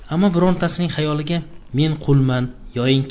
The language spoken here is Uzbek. mmo birortasining xayoliga men qulman yoinki